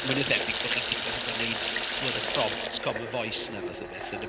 Mwy na thebyg bo' chi gyd wedi bod yn wneud timod y prompts Common Voice 'na fath o beth yn dyfe?